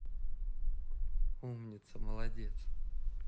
умница молодец